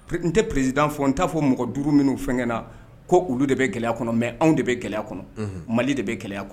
N te président fɔ n ta fɔ mɔgɔ 5 munun fɛnkɛ na ko olu de bɛ gɛlɛya kɔnɔ . Mais anw de bɛ gɛlɛya kɔnɔ .Mali de bɛ gɛlɛya kɔnɔ Unhun